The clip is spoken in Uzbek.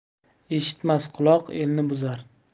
eshitmas quloq elni buzar